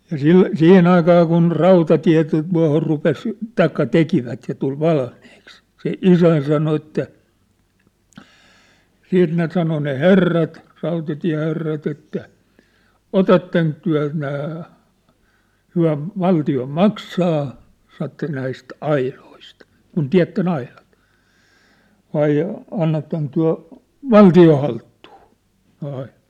siihen aikaan kun rautatie - tuohon rupesi tai tekivät ja tuli valmiiksi se isäni sanoi että sitten ne sanoi ne herrat rautatieherrat että otatteko te nämä he valtio maksaa sanoi että näistä aidoista kun tiedätte aidat vai annatteko te valtion haltuun ne aidat